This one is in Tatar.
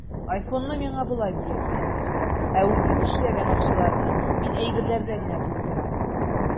Айфонны миңа болай бүләк итәләр, ә үзем эшләгән акчаларны мин әйберләргә генә туздырам.